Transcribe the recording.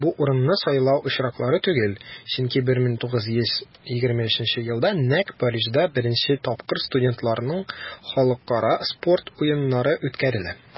Бу урынны сайлау очраклы түгел, чөнки 1923 елда нәкъ Парижда беренче тапкыр студентларның Халыкара спорт уеннары үткәрелә.